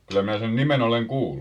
kyllä minä sen nimen olen kuullut